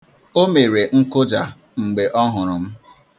O mere nkụja mgbe ọ hụrụ m.